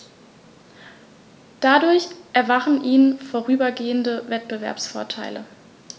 Dadurch erwachsen ihnen vorübergehend Wettbewerbsvorteile.